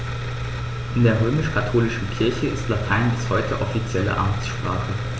In der römisch-katholischen Kirche ist Latein bis heute offizielle Amtssprache.